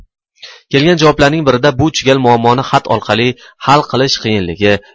kelgan javoblarning birida bu chigal muammoni xat orqali hal qilish qiyinligi